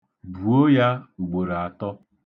Buo ya ugboro atọ.